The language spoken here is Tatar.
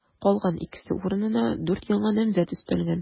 Калган икесе урынына дүрт яңа намзәт өстәлгән.